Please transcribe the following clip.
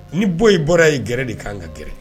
Ni bɔ i bɔra yei gɛrɛ de kanan ka gɛrɛ